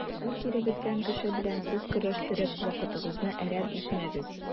Бу киребеткән кеше белән сүз көрәштереп вакытыгызны әрәм итмәгез.